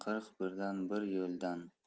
qirq birdan bir yo'ldan